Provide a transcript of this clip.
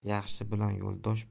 yaxshi bilan yo'ldosh